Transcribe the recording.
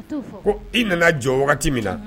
Ko i nana jɔ wagati min na